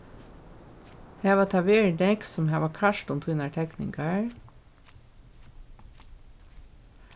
hava tað verið nógv sum hava kært um tínar tekningar